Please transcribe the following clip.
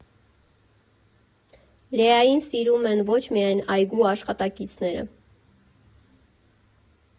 Լեային սիրում են ոչ միայն այգու աշխատակիցները։